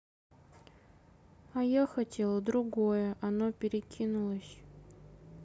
а я хотела другое оно перекинулось